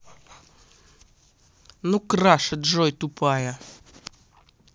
ну краша джой тупая